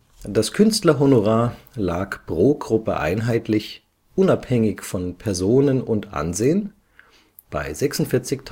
Das Künstlerhonorar lag pro Gruppe einheitlich, unabhängig von Person und Ansehen, bei 46.000